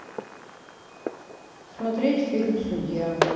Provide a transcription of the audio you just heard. смотреть фильм судья